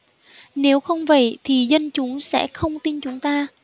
nếu không vậy thì dân chúng sẽ không tin chúng ta